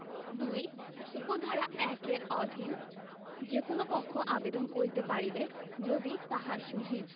২ উপ ধারা ১ এর অধীন যে কোন পক্ষ আবেদন করিতে পারিবে যদি তাহার সহিত